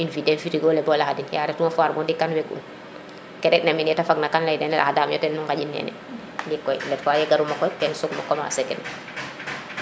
in fin teen frigo le bo laxa din ya retnma foire bo ndik kam weg un ken re ina men yete fag na kan leya dene ye de laxada de ŋaƴin nene ndeikoy ye garuma koy ten soogmo commencer kene